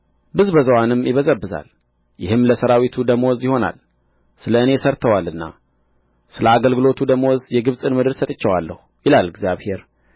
ብዝበዛዋንም ይበዘብዛል ይህም ለሠራዊቱ ደመወዝ ይሆናል ስለ እኔ ሠርተዋልና ስለ አገልግሎቱ ደመወዝ የግብጽን ምድር ሰጥቼዋለሁ ይላል ጌታ እግዚአብሔር